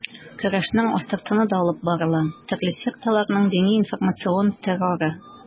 Көрәшнең астыртыны да алып барыла: төрле секталарның дини-информацион терроры.